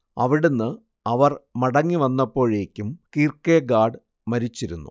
അവിടന്ന് അവർ മടങ്ങി വന്നപ്പോഴേക്കും കീർക്കെഗാഡ് മരിച്ചിരുന്നു